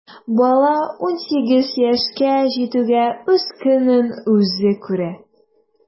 Бала унсигез яшькә җитүгә үз көнен үзе күрә.